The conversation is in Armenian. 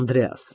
ԱՆԴՐԵԱՍ ֊